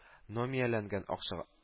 Номияләнгән акчага